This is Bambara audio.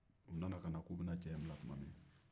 u nana ka na k'u bɛ na cɛ in bila tuma min